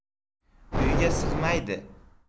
uyga sig'maydi